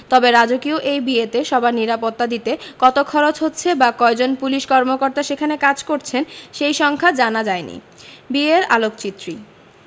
তবে রাজকীয় এই বিয়েতে সবার নিরাপত্তা দিতে কত খরচ হচ্ছে বা কয়জন পুলিশ কর্মকর্তা সেখানে কাজ করছেন সেই সংখ্যা জানা যায়নি বিয়ের আলোকচিত্রী